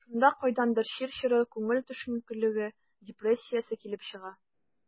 Шунда кайдандыр чир чоры, күңел төшенкелеге, депрессиясе килеп чыга.